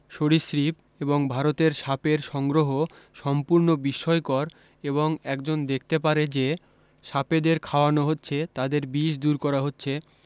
সরীসৃপ এবং ভারতীয় সাপের সংগ্রহ সম্পূর্ণ বিষ্ময়কর এবং একজন দেখতে পারে যে সাপেদের খাওয়ানো হচ্ছে তাদের বিষ দূর করা হচ্ছে